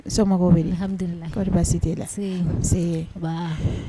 Somɔgɔw bɛ baasi t tɛ la se